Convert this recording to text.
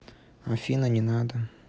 афина не надо